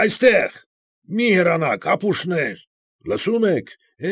Այստեղ, մի՛ հեռանաք, ապուշներ։ Լսո՞ւմ եք։